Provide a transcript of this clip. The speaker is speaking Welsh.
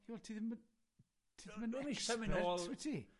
Ti weld, ti ddim yn ti ddim yn expert wyt ti?